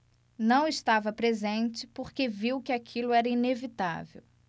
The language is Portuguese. não estava presente porque viu que aquilo era inevitável